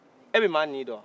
e bɛ maa ni dɔ